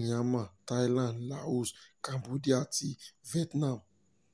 Myanmar, Thailand, Laos, Cambodia, àti Vietnam.